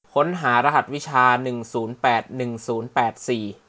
ค้นหารหัสวิชาหนึ่งศูนย์แปดหนึ่งศูนย์แปดสี่